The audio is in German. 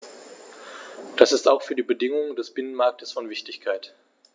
Das ist auch für die Bedingungen des Binnenmarktes von Wichtigkeit.